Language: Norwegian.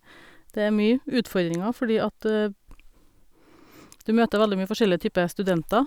Det er mye utfordringer, fordi at du møter veldig mye forskjellige type studenter.